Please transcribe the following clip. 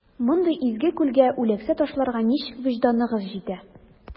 Мондый изге күлгә үләксә ташларга ничек вөҗданыгыз җитә?